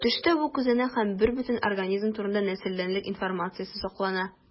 Төштә бу күзәнәк һәм бербөтен организм турында нәселдәнлек информациясе саклана.